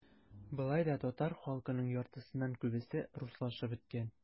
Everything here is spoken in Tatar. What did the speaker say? Болай да татар халкының яртысыннан күбесе - руслашып беткән.